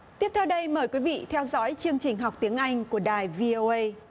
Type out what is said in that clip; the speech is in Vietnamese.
tiếp theo đây mời quý vị theo dõi chương trình học tiếng anh của đài vi ô ây